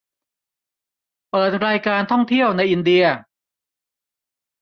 เปิดรายการท่องเที่ยวในอินเดีย